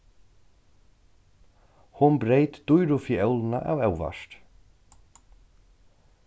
hon breyt dýru fiólina av óvart